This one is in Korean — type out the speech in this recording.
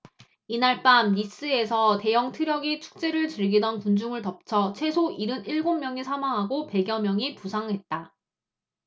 이날 밤 니스에서 대형트럭이 축제를 즐기던 군중을 덮쳐 최소 일흔 일곱 명이 사망하고 백 여 명이 부상했다